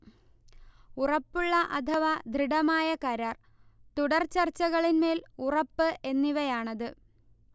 ഉറപ്പുള്ള അഥവാ ദൃഢമായ കരാർ, തുടർചർച്ചകളിന്മേൽ ഉറപ്പ് എന്നിവയാണത്